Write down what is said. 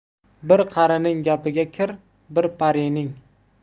bir qarining gapiga kir bir panning